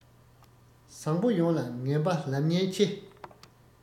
བཟང པོ ཡོངས ལ ངན པ ལབ ཉེན ཆེ